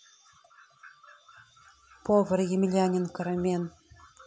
повар емельяненко рамен